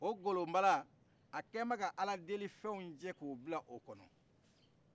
o golo mbala a kɛmɛ k' ala deli fɛnw cɛ ko bil'o kɔnɔ